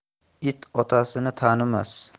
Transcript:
it otasini tanimas